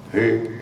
He